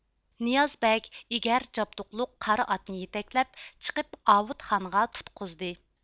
نىياز بەگ ئېگەر جابدۇقلۇق قارا ئاتنى يېتەكلەپ چىقىپ ئاۋۇتخانغا تۇتقۇزدى